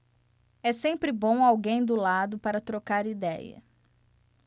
é sempre bom alguém do lado para trocar idéia